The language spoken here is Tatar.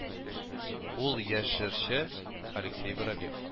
Ул яшь җырчы Алексей Воробьев